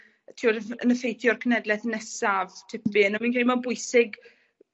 ti'od ff- yn effeithio ar cenedleth nesaf tipyn a fi'n credu ma'n bwysig